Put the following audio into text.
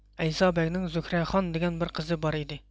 ئەيسا بەگنىڭ زۆھرەخان دېگەن بىر قىزى بار ئىدى